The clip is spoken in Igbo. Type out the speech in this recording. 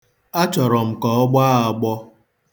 Achọrọ m ka ọ gbọọ agbọ.